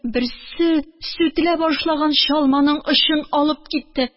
Берсе сүтелә башлаган чалманың очын алып китте.